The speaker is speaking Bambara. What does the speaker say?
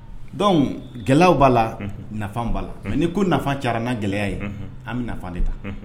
Donc gɛlɛyaw b'a la. Unhun! nafa b'a la. Unhun! Ni ko nafa caya la na gɛlɛya ye,. An bɛ nafa de ta.